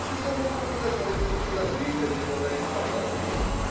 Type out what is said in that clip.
Часовому показалось это подозрительным, он арестовал его.